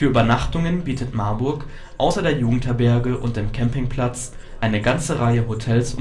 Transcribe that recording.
Übernachtungen bietet Marburg außer der Jugendherberge und dem Campingplatz eine ganze Reihe Hotels